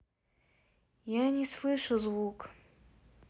я не слышу звук